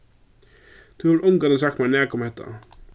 tú hevur ongantíð sagt mær nakað um hetta